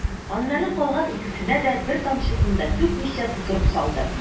Аннары калган икесенә дә, бер тамчысын да түкмичә, тутырып салды.